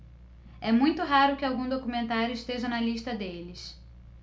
é muito raro que algum documentário esteja na lista deles